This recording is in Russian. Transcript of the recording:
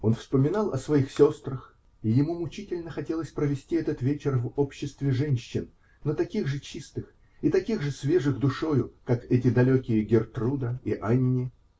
Он вспоминал о своих сестрах, и ему мучительно хотелось провести этот вечер в обществе женщин, но таких же чистых и таких же свежих душою, как эти далекие Гертруда и Анни.